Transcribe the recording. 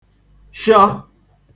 shịọ